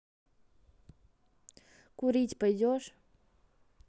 курить пойдешь